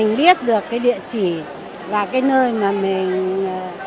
biết được cái địa chỉ là cái nơi mà mình